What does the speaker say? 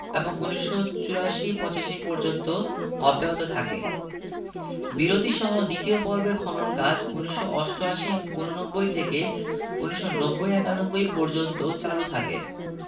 এবং ১৯৮৪ ৮৫ পর্যন্ত অব্যাহত থাকে বিরতিসহ দ্বিতীয় পর্বের খনন কাজ ১৯৮৮ ৮৯ থেকে ১৯৯০ ৯১ পর্যন্ত চালু থাকে